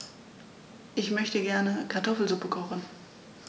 Ich möchte gerne Kartoffelsuppe kochen.